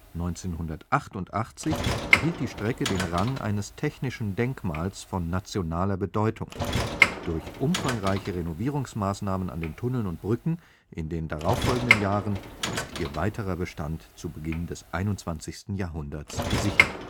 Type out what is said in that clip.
1988 erhielt die Strecke den Rang eines technischen Denkmals von nationaler Bedeutung. Durch umfangreiche Renovierungsmaßnahmen an den Tunneln und Brücken in den darauffolgenden Jahren ist ihr weiterer Bestand zu Beginn des 21. Jahrhunderts gesichert